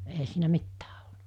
eihän siinä mitään ollut